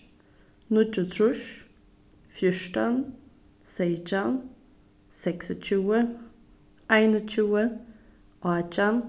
níggjuogtrýss fjúrtan seytjan seksogtjúgu einogtjúgu átjan